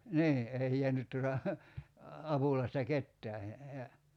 niin ei jäänyt tuota apulaista ketään ja